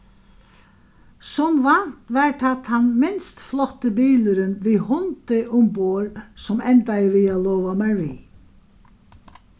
sum vant var tað tann minst flotti bilurin við hundi umborð sum endaði við at lova mær við